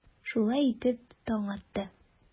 Шулай итеп, таң атты.